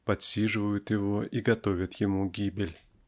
подсиживают его и готовят ему гибель.